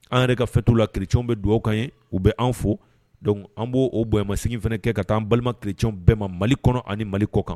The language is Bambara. An yɛrɛ ka fɛtuw la kirecw bɛ dugawu kan u bɛ an fo dɔnku an b'o bonyamasigigin fana kɛ ka taaan balima kic bɛɛ ma mali kɔnɔ ani mali kɔ kan